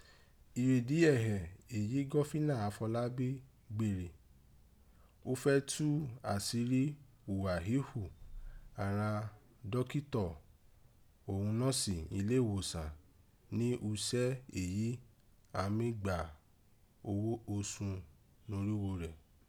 Ìredi ẹhẹ̀ èyí gofina Afọlábí gbé rèé, ó fẹ́ tú aṣiri ùwà híhù àghan dokitọ̀ òghun nọọsi ileewosan ni uṣẹ́ èyí àn án mí gbà oghó osùn norígho rẹ̀.